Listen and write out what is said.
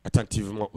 A taa t'i fɔ ma